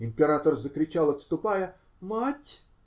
Император закричал, отступая: -- Мать!